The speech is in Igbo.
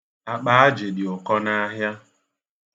Akpa ajị dị ụkọ n'ahịa.